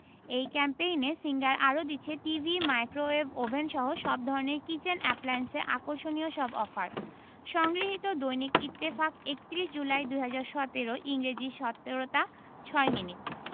এই ক্যাম্পেইনে সিঙ্গার আরো দিচ্ছে টিভি মাইক্রোওয়েভ ওভেনসহ সব ধরনের কিচেন অ্যাপ্লায়েন্সে আকর্ষণীয় সব অফার সংগৃহীত দৈনিক ইত্তেফাক ৩১ জুলাই ২০১৭ ইংরেজি ১৭ টা ৬ মিনিট